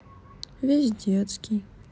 все детский